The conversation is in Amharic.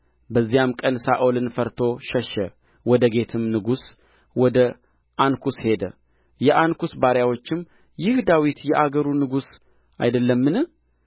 በዚያም ቀን ሳኦልን ፈርቶ ሸሸ ወደ ጌትም ንጉሥ ወደ አንኩስ ሄደ የአንኩስ ባሪያዎችም ይህ ዳዊት የአገሩ ንጉሥ አይደለምን